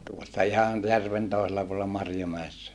tuossa ihan järven toisella puolella Marjomäessä